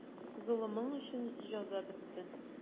Золымың өчен җәза бетте.